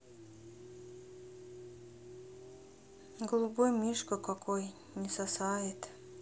голубой мишка какой не сосает